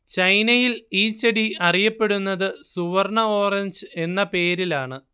ചൈനയിൽ ഈ ചെടി അറിയപ്പെടുന്നത് സുവർണ്ണ ഓറഞ്ച് എന്ന പേരിലാണ്